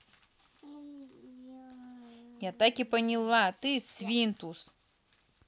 я так и поняла ты свинтус